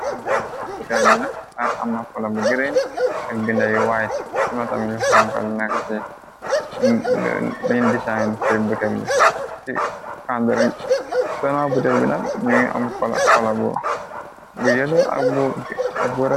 Na kola bu gireen ak binda yu white amna tamili honkal nekk ciscbanrgona butel bi nag ñu ngi am kola bbu yëlu ak bu red.